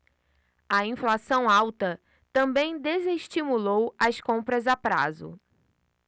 a inflação alta também desestimulou as compras a prazo